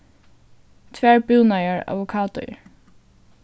tvær búnaðar avokadoir